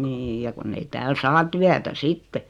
niin ja kun ei täällä saa työtä sitten